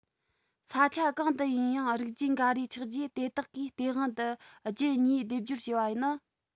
ས ཆ གང དུ ཡིན ཡང རིགས རྒྱུད འགའ རེ ཆགས རྗེས དེ དག གིས སྟེས དབང དུ རྒྱུད གཉིས སྡེབ སྦྱོར བྱས པ ནི